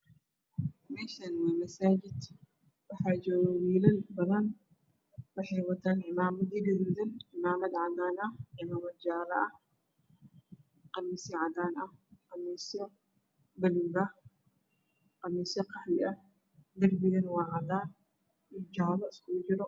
Meshan waa masajid waxa joga wiilalbadan waxey watan camamadyo gaduudan camamad cadan ah iyo Lojala ah qamis cadan ah qamisyobalu ah qamisyo qaxwi ah derbigan waacadan iyo jalo isugujiro